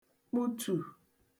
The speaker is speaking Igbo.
kpụtù